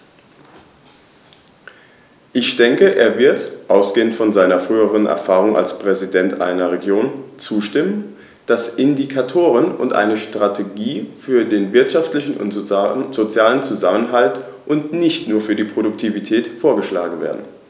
Ich denke, er wird, ausgehend von seiner früheren Erfahrung als Präsident einer Region, zustimmen, dass Indikatoren und eine Strategie für den wirtschaftlichen und sozialen Zusammenhalt und nicht nur für die Produktivität vorgeschlagen werden.